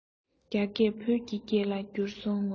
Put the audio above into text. རྒྱ སྐད བོད ཀྱི སྐད ལ འགྱུར སོང ངོ